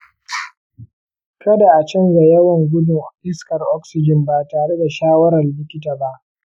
kada a canza yawan gudun iskar oxygen ba tare da shawarar likita ba.